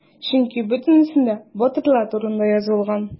Чөнки бөтенесендә батырлар турында язылган.